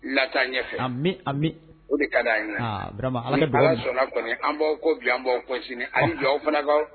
La ɲɛfɛ a o de ka di' ye ala bila sɔnna kɔni an bi an' an jɔ aw fanabagaw